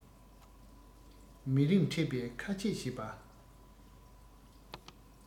མི རིང ཕྲད པའི ཁ ཆད བྱས པ